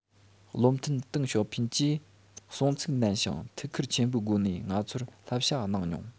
བློ མཐུན ཏེང ཞའོ ཕིན གྱིས གསུང ཚིག ནན ཞིང ཐུགས ཁུར ཆེན པོའི སྒོ ནས ང ཚོར བསླབ བྱ གནང མྱོང